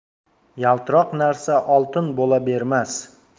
yaltiroq narsa oltin bo'la bermas